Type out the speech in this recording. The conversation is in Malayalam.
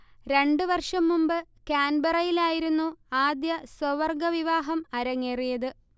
രണ്ടു വർഷം മുമ്പ് കാൻബറയിലായിരുന്നു ആദ്യ സ്വവർഗ വിവാഹം അരങ്ങേറിയത്